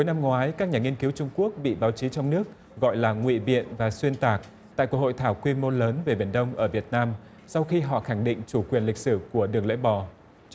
năm ngoái các nhà nghiên cứu trung quốc bị báo chí trong nước gọi là ngụy biện và xuyên tạc tại cuộc hội thảo quy mô lớn về biển đông ở việt nam sau khi họ khẳng định chủ quyền lịch sử của đường lưỡi bò